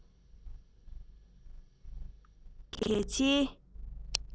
ཆེས གལ ཆེའི